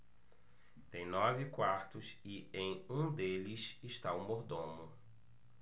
tem nove quartos e em um deles está o mordomo